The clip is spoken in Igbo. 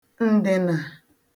ǹdị̀nà